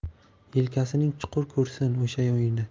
yelkasining chuquri ko'rsin o'sha uyni